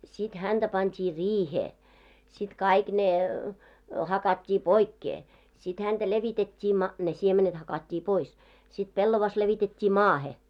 sitten häntä pantiin riiheen sitten kaikki ne hakattiin pois sitten häntä levitettiin - ne siemenet hakattiin pois sitten pellava levitettiin maahan